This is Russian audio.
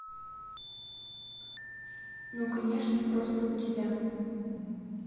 ну конечно просто у тебя